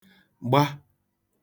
gbà